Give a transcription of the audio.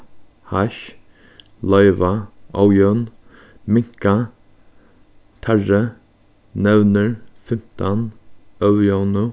hassj loyva ójøvn minka teirri nevnir fimtan ójøvnu